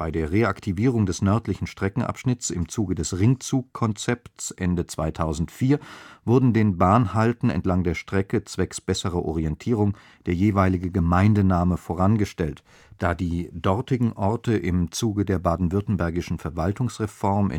der Reaktivierung des nördlichen Streckenabschnitts im Zuge des Ringzug-Konzepts Ende 2004 wurden den Bahnhalten entlang der Strecke zwecks besserer Orientierung der jeweilige Gemeindename vorangestellt, da die dortigen Orte im Zuge der baden-württembergischen Verwaltungsreform